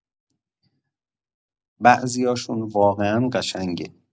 بعضیاشون واقعا قشنگه.